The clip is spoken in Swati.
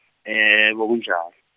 e ku kunjalo.